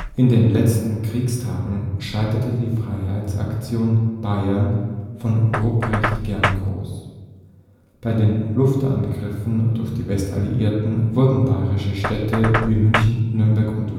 In den letzten Kriegstagen scheiterte die „ Freiheitsaktion Bayern “von Rupprecht Gerngross. Bei den Luftangriffen durch die Westalliierten wurden bayerische Städte wie München, Nürnberg und